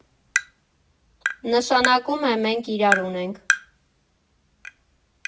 Նշանակում է մենք իրար ունենք.